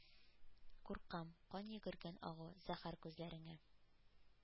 Куркам; Кан йөгергән агу, зәһәр күзләреңә.